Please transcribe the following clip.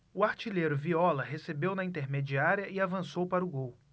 o artilheiro viola recebeu na intermediária e avançou para o gol